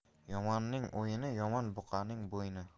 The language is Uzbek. yomonning o'yini yomon buqaning bo'yni